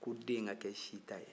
ko den in ka kɛ sita ye